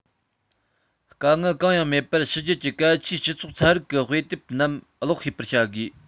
དཀའ ངལ གང ཡང མེད པར ཕྱི རྒྱལ གྱི གལ ཆེའི སྤྱི ཚོགས ཚན རིག གི དཔེ དེབ རྣམས ཀློག ཤེས པར བྱ དགོས